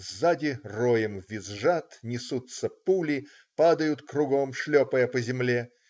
Сзади роем визжат, несутся пули, падают кругом, шлепая по земле.